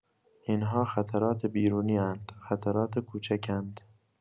این‌ها خطرات بیرونی‌اند، خطرات کوچکند.